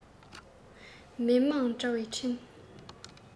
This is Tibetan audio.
མི དམངས དྲ བའི འཕྲིན